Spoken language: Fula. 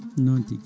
noon tigui